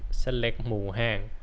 เส้นเล็กหมููแห้ง